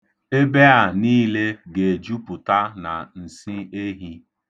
Ebe a niile ga-ejupụta na nsị ehi.